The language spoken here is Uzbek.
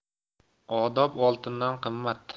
odob oltindan qimmat